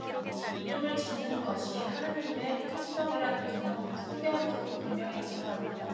이름을 짓는 것이 하느님의 특성이라는 점은 성경에서도 분명히 나타납니다